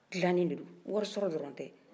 dilanin de do wari sɔrɔ dɔrɔan tɛ